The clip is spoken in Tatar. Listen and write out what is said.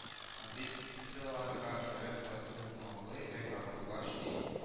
Андый питицияларга кабак тастымалы вә кабакъбаш ди